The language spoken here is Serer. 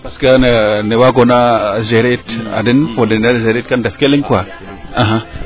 parce: fra que nee wagona gerer it a den fo ne ta gere it kaa den lefee leŋ koi a haaa